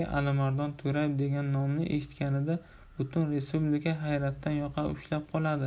alimardon to'rayev degan nomni eshitganida butun respublika hayratdan yoqa ushlab qoladi